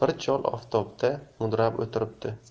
bir chol oftobda mudrab o'tiribdi